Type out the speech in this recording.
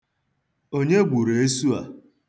Onye gburu esu a?